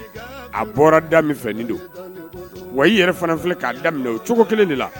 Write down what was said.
A bɔra da don wa i yɛrɛ fana filɛ' daminɛ o cogo kelen de la